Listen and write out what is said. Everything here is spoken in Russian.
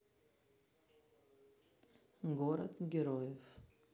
город героев